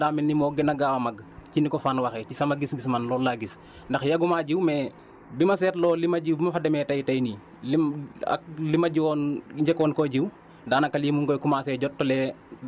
boo seetloo bii daal daa mel ni moo gën a gaaw a màgg ci ni ko Fane waxee ci sama gis-gis man loolu laa gis ndax yàggumaa jiw mais bi ma seetloo li ma jiw bi ma fa demee tey nii lim ak li ma ji woon njëkkoon koo jiw daanaka lii mu ngi commencé jóg